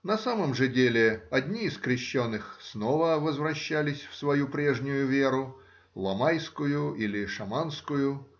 На самом же деле одни из крещеных снова возвращались в свою прежнюю веру — ламайскую или шаманскую